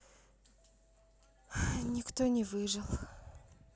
никто не выжил